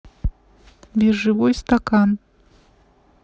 биржевой стакан